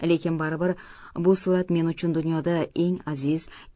lekin baribir bu surat men uchun dunyoda eng aziz